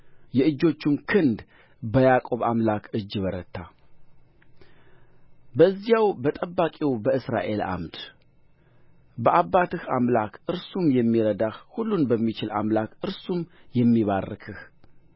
የእጆቹም ክንድ በያዕቆብ አምላክ እጅ በረታ በዚያው በጠባቂው በእስራኤል ዓምድ በአባትህ አምላክ እርሱም የሚረዳህ ሁሉንም በሚችል አምላክ እርሱም የሚባርክህ